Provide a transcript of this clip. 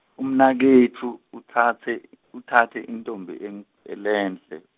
umnaketfu, utsatse , uthathe intombi eng-, e- lenhle.